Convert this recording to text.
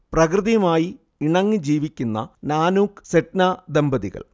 പ്രകൃതിയുമായി ഇണങ്ങി ജീവിക്കുന്ന നാനൂക്ക്, സെഡ്ന ദമ്പതികൾ